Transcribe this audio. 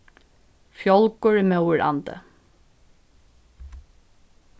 fjálgur er móður andi